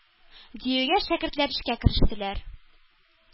Диюгә, шәкертләр эшкә керештеләр.